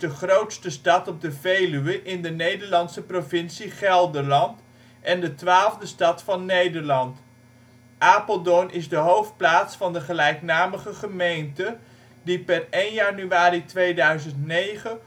grootste stad op de Veluwe in de Nederlandse provincie Gelderland, en de twaalfde stad van Nederland. Apeldoorn is de hoofdplaats van de gelijknamige gemeente, die per 1 januari 2009